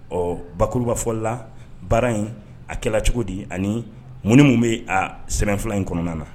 Ɔ bakuruba fɔla baara in a kɛra cogo di ani mun minnu bɛ a sɛbɛn fila in kɔnɔna na